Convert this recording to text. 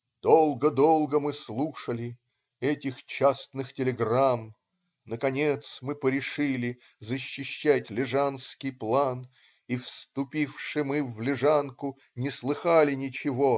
Долго, долго мы слушали Этих частных телеграмм Наконец мы порешили Защищать Лежанский план И вступивши мы в Лежанку Не слыхали ничего.